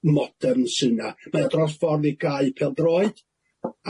modern sy' 'na mae o dros ffordd i gau pêl-droed